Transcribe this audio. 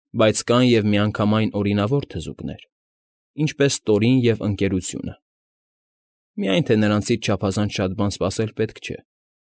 Բայց և կան և միանգամայն օրինավոր թզուկներ, ինչպես Տորինն և Ընկերությունը, միայն թե նրանցից չափազանց շատ բան սպասել պետք չէ։